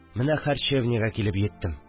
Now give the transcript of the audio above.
Менә харчевнягә килеп йиттем